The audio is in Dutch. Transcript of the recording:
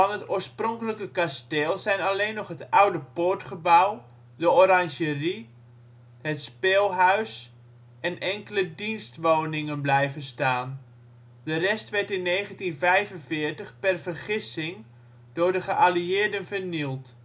het oorspronkelijke kasteel zijn alleen nog het oude poortgebouw, de oranjerie, het speelhuis en enkele dienstwoningen blijven staan. De rest werd in 1945 per vergissing door de geallieerden vernield